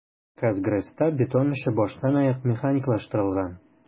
"казгрэс"та бетон эше баштанаяк механикалаштырылган.